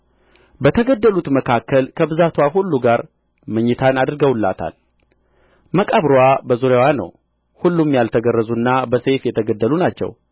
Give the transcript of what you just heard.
በተገደሉት መካከል ከብዛትዋ ሁሉ ጋር መኝታን አድርገውላታል መቃብርዋ በዙሪያዋ ነው ሁሉም ያልተገረዙና በሰይፍ የተገደሉ ናቸው